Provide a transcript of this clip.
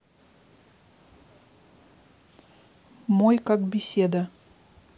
мой как беседа